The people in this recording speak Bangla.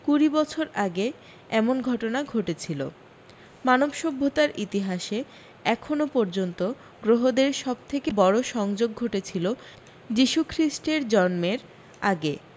কুড়ি বছর আগে এমন ঘটনা ঘটেছিল মানব সভ্যতার ইতিহাসে এখনও পর্যন্ত গ্রহদের সব থেকে বড় সংযোগ ঘটেছিল যীশু খ্রিস্টের জন্মের আগে